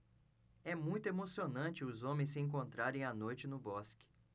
é muito emocionante os homens se encontrarem à noite no bosque